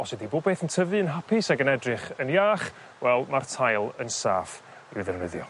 os ydi bob beth yn tyfu'n hapus ag yn edrych yn iach wel mae'r tail yn saff i'w ddefnyddio.